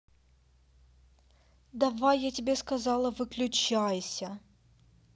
давай я тебе сказала выключайся